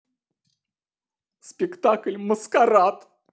спектакль маскарад